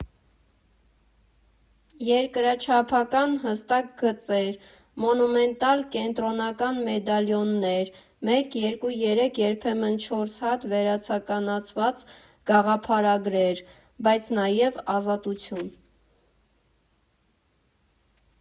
֊ երկրաչափական հստակ գծեր, մոնումենտալ կենտրոնական մեդալիոններ՝ մեկ, երկու, երեք, երբեմն չորս հատ, վերացականացված գաղափարագրեր, բայց նաև ազատություն.